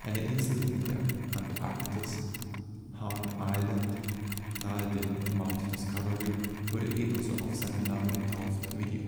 Eine Insel in der Antarktis (Hahn Island, nahe dem Mount Discovery) wurde ebenso auf seinen Namen getauft wie die